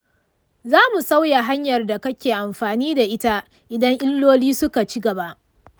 za mu sauya hanyar da kake amfani da ita idan illoli suka ci gaba.